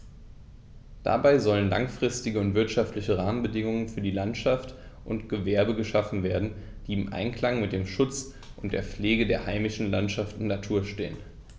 Dabei sollen langfristige und wirtschaftliche Rahmenbedingungen für Landwirtschaft und Gewerbe geschaffen werden, die im Einklang mit dem Schutz und der Pflege der heimischen Landschaft und Natur stehen.